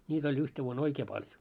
niitä oli yhtenä vuonna oikein paljon